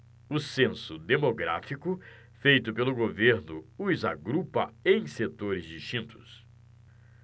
o censo demográfico feito pelo governo os agrupa em setores distintos